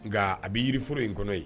Nka a bɛ yirioro in kɔnɔ ye